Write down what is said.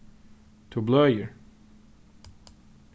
tú bløðir